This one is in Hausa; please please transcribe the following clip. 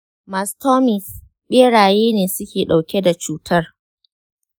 mastomys ɓeraye ne suke ɗauke da cutar